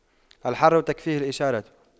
الحر تكفيه الإشارة